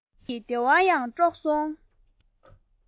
གཉིད ཀྱི བདེ བ ཡང དཀྲོགས སོང